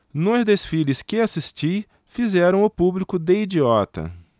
nos desfiles que assisti fizeram o público de idiota